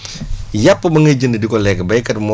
yàpp ba ngay jëndi di ko lekk béykat moo